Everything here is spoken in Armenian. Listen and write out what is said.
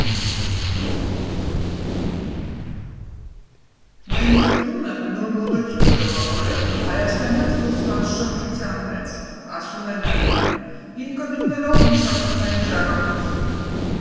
Մենք ձգտում ենք նոր մոտեցում ձևավորել Հայաստանյան զբոսաշրջության մեջ,֊ ասում է Նարինեն,֊ հիմք ընդունելով մշակութային ժառանգությունը։